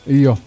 iyo